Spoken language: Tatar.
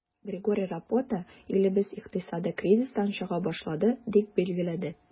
Григорий Рапота, илебез икътисады кризистан чыга башлады, дип билгеләде.